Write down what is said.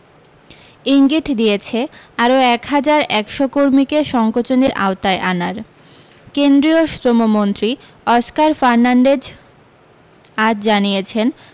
ইঙ্গিত দিয়েছে আরও এক হাজার একশ কর্মীকে সঙ্কোচনের আওতায় আনার কেন্দ্রীয় শ্রমমন্ত্রী অসকার ফারনান্ডেজ আজ জানিয়েছেন